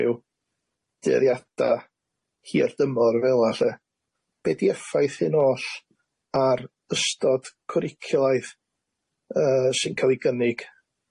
dueddiada hir dymor fela lly be' 'di effaith hyn oll ar ystod cwricwlaidd yy sy'n ca'l 'i gynnig